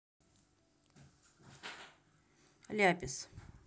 ляпис